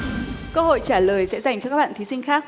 cơ hội trả lời sẽ dành cho các bạn thí sinh khác